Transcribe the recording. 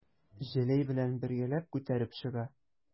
Җәләй белән бергәләп күтәреп чыга.